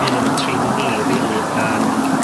bydd yno tri 'nyn ni rili yn